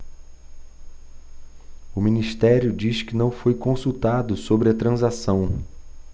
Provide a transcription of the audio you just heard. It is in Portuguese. o ministério diz que não foi consultado sobre a transação